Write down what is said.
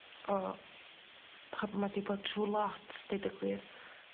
O... A ch'od ma' 'di bod trw lot deud y gwir.